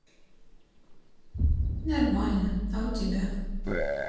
нормально а у тебя